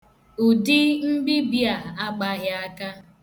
Ụdị mbibi a agbaghị aka.